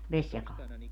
Vesijakaalla